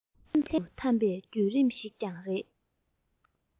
ལྷན དུ འཐབ པའི བརྒྱུད རིམ ཞིག ཀྱང རེད